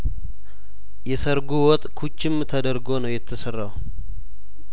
የሰርጉ ወጥ ኩችም ተደርጐ ነው የተሰራው